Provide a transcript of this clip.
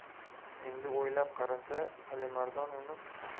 endi o'ylab qarasa alimardon